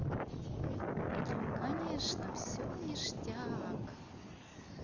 конечно все ништяк